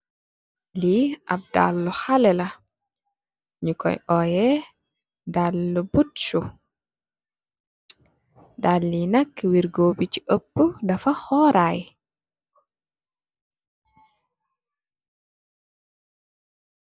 Ii ap daala xale la nyu koi oyeh daala budsu daali yi nak wergo bu si oppou dafa horay.